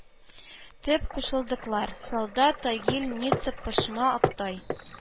Төп кушылдыклар: Салда, Тагил, Ница, Пышма, Актай